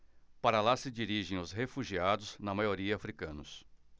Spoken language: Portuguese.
para lá se dirigem os refugiados na maioria hútus